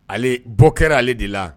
Ale bɔ kɛra ale de la